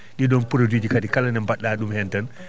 ɗii ɗoon produit kadi kala ne mbaɗɗaa ɗum heen tan